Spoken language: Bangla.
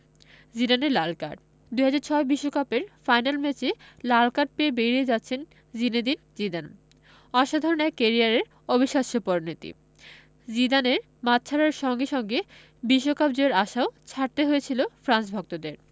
জিদানের লাল কার্ড ২০০৬ বিশ্বকাপের ফাইনাল ম্যাচে লাল কার্ড পেয়ে বেরিয়ে যাচ্ছেন জিনেদিন জিদান অসাধারণ এক ক্যারিয়ারের অবিশ্বাস্য পরিণতি জিদানের মাঠ ছাড়ার সঙ্গে সঙ্গে বিশ্বকাপ জয়ের আশাও ছাড়তে হয়েছিল ফ্রান্স ভক্তদের